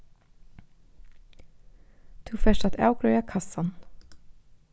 tú fert at avgreiða kassan